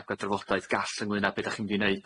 heb ga'l dafodaeth gall ynglyn â be' dach chi'n mynd i neud